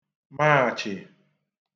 Maāchị̀